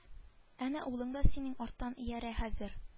Әнә улың да синең арттан иярә хәзер